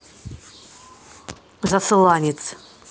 засланец